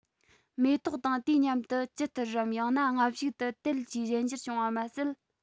མེ ཏོག དང དུས མཉམ དུ ཇི ལྟར རམ ཡང ན སྔ གཞུག ཏུ དལ གྱིས གཞན འགྱུར བྱུང བ མ ཟད